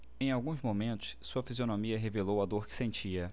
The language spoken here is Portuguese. em alguns momentos sua fisionomia revelou a dor que sentia